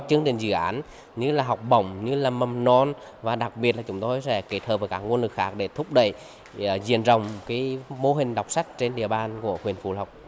chương trình dự án như là học bổng như là mầm non và đặc biệt là chúng tôi sẽ kịp thời và các nguồn lực khác để thúc đẩy diện rộng cái mô hình đọc sách trên địa bàn của huyện phú lộc